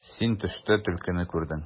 Син төштә төлкене күрдең.